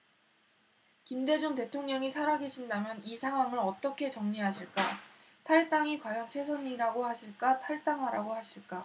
김대중 대통령이 살아계신다면 이 상황을 어떻게 정리하실까 탈당이 과연 최선이라고 하실까 탈당하라고 하실까